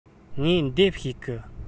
ངས འདེབས ཤེས གི